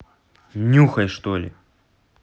нюхай что ли